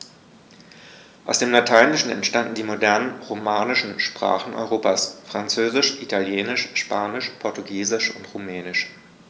Aus dem Lateinischen entstanden die modernen „romanischen“ Sprachen Europas: Französisch, Italienisch, Spanisch, Portugiesisch und Rumänisch.